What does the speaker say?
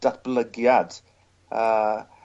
datblygiad yy